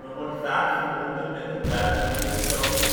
wordt vaak verbonden met de Duitse filosoof